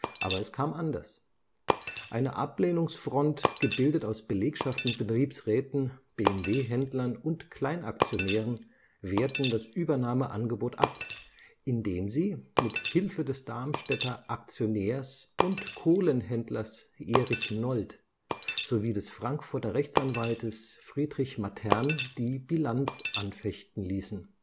Aber es kam anders: Eine Ablehnungsfront, gebildet aus Belegschaft und Betriebsräten, BMW-Händlern und Kleinaktionären, wehrten das Übernahme-Angebot ab, indem sie mit Hilfe des Darmstädter Aktionärs und Kohlenhändlers Erich Nold (1928 – 1995) sowie des Frankfurter Rechtsanwalts Friedrich Mathern die Bilanz anfechten ließen